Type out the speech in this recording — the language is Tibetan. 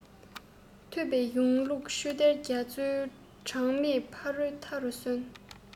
ཐོས པའི གཞུང ལུགས ཆུ གཏེར རྒྱ མཚོའི གྲངས མེད ཕ རོལ མཐའ རུ སོན